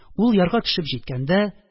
Ул ярга төшеп җиткәндә